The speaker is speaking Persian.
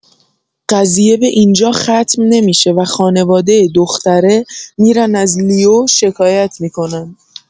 قضیه به اینجا ختم نمی‌شه و خونواده دختره می‌رن از لیو شکایت می‌کنن